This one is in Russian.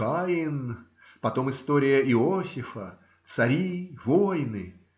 Каин, потом история Иосифа, цари, войны.